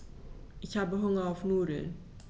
Ich habe Hunger auf Nudeln.